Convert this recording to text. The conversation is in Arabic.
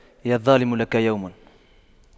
يا ظالم لك يوم